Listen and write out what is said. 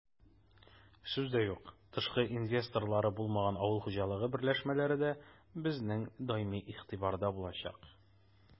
Сүз дә юк, тышкы инвесторлары булмаган авыл хуҗалыгы берләшмәләре дә безнең даими игътибарда булачак.